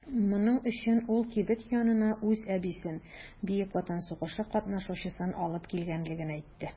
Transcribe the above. Моның өчен ул кибет янына үз әбисен - Бөек Ватан сугышы катнашучысын алып килгәнлеген әйтте.